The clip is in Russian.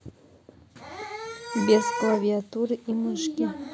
без клавиатуры и мышки